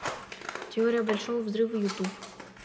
теория большого взрыва ютуб